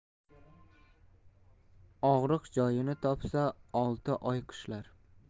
og'riq joyini topsa olti oy qishlar